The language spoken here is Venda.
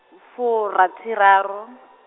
furathiraru.